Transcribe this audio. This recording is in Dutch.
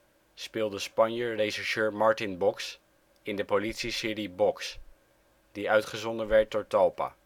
speelde Spanjer rechercheur Martin Boks in de politieserie Boks, die uitgezonden werd door Talpa